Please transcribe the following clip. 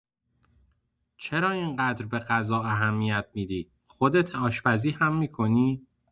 چرا اینقدر به غذا اهمیت می‌دی، خودت آشپزی هم می‌کنی؟